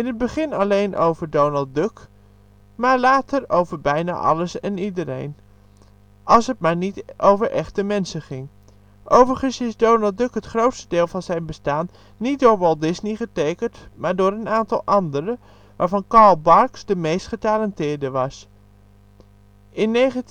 begin alleen over Donald Duck, maar later over bijna alles en iedereen. Als het maar niet over echte mensen ging. Overigens is Donald Duck het grootste deel van zijn bestaan niet door Walt Disney getekend maar door een aantal anderen, waarvan Carl Barks de meest getalenteerde was. Na 1934